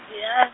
Giya-.